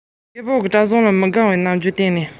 ཡིག རྒྱུགས སྦྱོང བ རེད